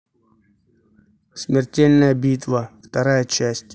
смертельная битва вторая часть